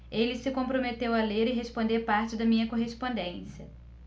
ele se comprometeu a ler e responder parte da minha correspondência